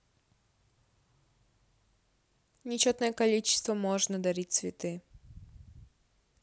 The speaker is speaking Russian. нечетное количество можно дарить цветы